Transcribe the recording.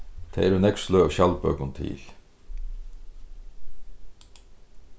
tað eru nógv sløg av skjaldbøkum til